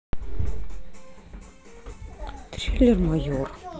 трейлер майор